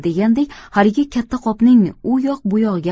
degandek haligi katta qopning u yoq bu yog'iga